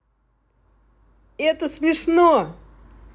это смешно